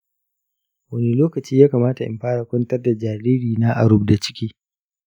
wani lokaci ya kamata in fara kwantar da jaririna a rubda ciki ?